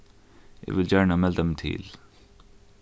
eg vil gjarna melda meg til